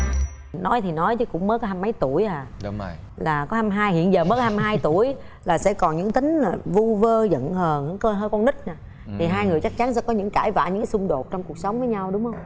nói thì nói cũng mới hăm mấy tuổi à đúng rồi là có hăm hai hiện giờ mới hăm hai tuổi là sẽ còn những tính là vu vơ giận hờn hơi con nít thì hai người chắc chắn sẽ có những cãi vã những xung đột trong cuộc sống với nhau đúng hông